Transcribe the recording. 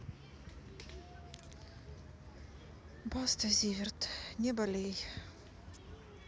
баста zivert не болей